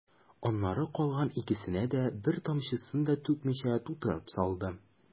Аннары калган икесенә дә, бер тамчысын да түкмичә, тутырып салды.